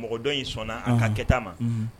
Mɔgɔdɔn y in sɔnna a ka kɛ a ma